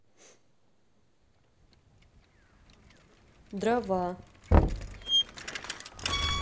дрова